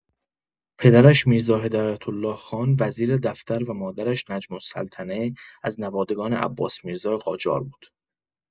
پدرش میرزا هدایت‌الله‌خان وزیر دفتر و مادرش نجم‌السلطنه، از نوادگان عباس میرزا قاجار بود.